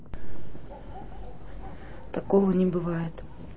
такого не бывает